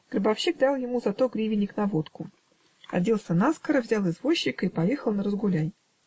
Гробовщик дал ему за то гривенник на водку, оделся наскоро, взял извозчика и поехал на Разгуляй.